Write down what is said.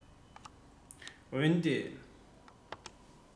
འོན ཏེ